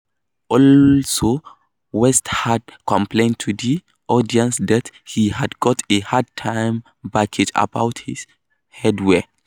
Also, West had complained to the audience that he had got a hard time backstage about his head wear.